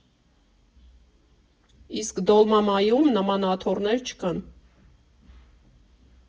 Իսկ «Դոլմամայում» նման աթոռներ չկան։